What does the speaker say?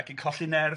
Ac yn colli nerth.